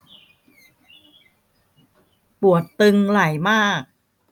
ปวดตึงไหล่มาก